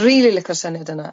Rili licio'r syniad yna.